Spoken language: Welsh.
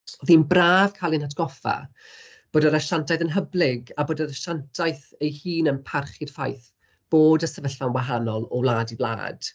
Oedd hi'n braf cael ein hatgoffa bod yr asiantaeth yn hyblyg a bod yr asiantaeth ei hun yn parchu'r ffaith bod y sefyllfa'n wahanol o wlad i wlad.